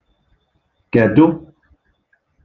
kèdụ